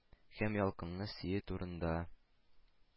Һәм ялкынлы сөюе турында.